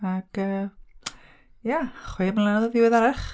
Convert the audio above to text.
Ac yy, ie, chwe mlynedd yn ddiweddarach...